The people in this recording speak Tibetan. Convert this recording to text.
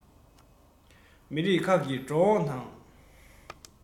མི རིགས ཁག གི འགྲོ འོང དང